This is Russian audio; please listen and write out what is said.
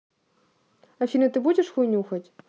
афина ты будешь хуйню хоть